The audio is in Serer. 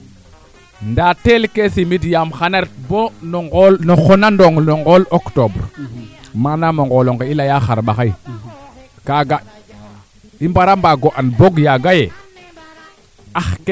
est ce que sax refke manaam ñako comprendre ole ando naye meteo naaga ñaaƴta parce que o ndeeta ngaan meteo wa leye zone tel manaam zone sud wala zone nord awa jeg kaa a teɓ